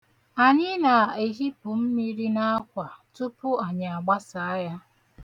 Anyị na-ahịpụ mmiri n'akwa tupu anyị agbasaa ya.